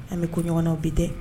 An bɛ ko ɲɔgɔnnaw bi tɛ